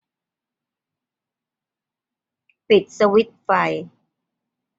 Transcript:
ปิดสวิตช์ไฟ